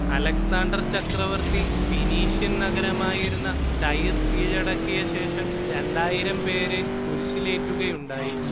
Alexander ചക്രവർത്തി Phoenician നഗരമായിരുന്ന Tyre കീഴടക്കിയശേഷം രണ്ടായിരം പേരെ കുരിശിലേറ്റുകയുണ്ടായി